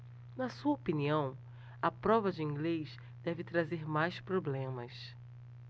na sua opinião a prova de inglês deve trazer mais problemas